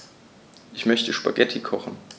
Ich möchte Spaghetti kochen.